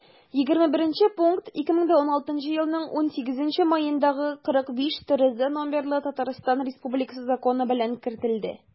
21 пункт 2016 елның 18 маендагы 45-трз номерлы татарстан республикасы законы белән кертелде